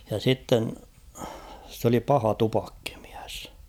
ja sitten se oli paha tupakkamies